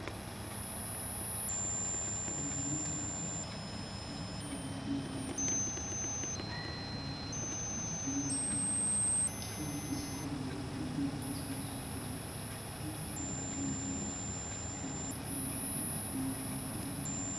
Waa miis qurux badan wuxuu horyaalla kuraas miiska kor xukun yahay madow hoosna wuxuu kaga hayay caddaan waxaa dul saaran cunto farabadan